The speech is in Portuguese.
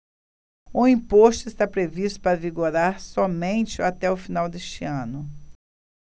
o imposto está previsto para vigorar somente até o final deste ano